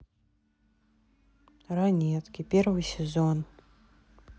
ранетки первый сезон